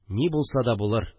Ни булса да булыр